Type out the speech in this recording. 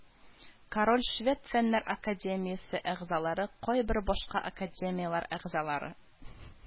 Король Швед фәннәр академиясе әгъзалары, кайбер башка академияләр әгъзалары